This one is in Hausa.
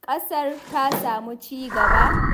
Ƙasar ta samu ci-gaba